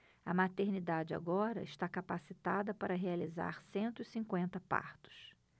a maternidade agora está capacitada para realizar cento e cinquenta partos